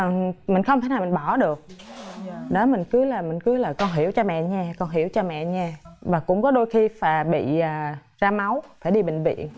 mình mình không thể nào mình bỏ được đó mình cứ là mình cứ là con hiểu cho mẹ nhe con hiểu cho mẹ nhe và cũng có đôi khi phà bị à ra máu phải đi bệnh viện